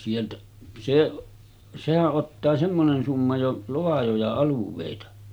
sieltä se sehän ottaa semmoinen summa jo laajoja alueita